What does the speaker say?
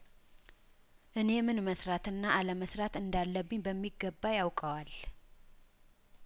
እኔምን መስራትና አለመስራት እንዳለብኝ በሚገባ ያውቀዋል